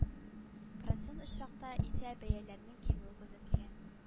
Процент очракта исә бәяләрнең кимүе күзәтелгән